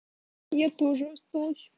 я тоже остался